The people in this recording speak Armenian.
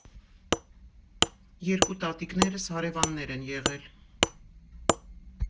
Երկու տատիկներս հարևաններ են եղել։